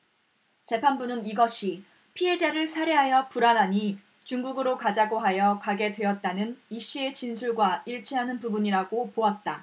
재판부는 이것이 피해자를 살해하여 불안하니 중국으로 가자고 하여 가게 되었다는 이씨의 진술과 일치하는 부분이라고 보았다